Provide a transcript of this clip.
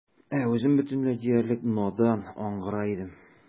Ә үзем бөтенләй диярлек надан, аңгыра идем.